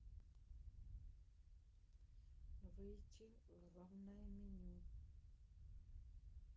выйти в главное меню